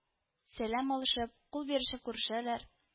Сәлам алышып, кул бирешеп күрешәләр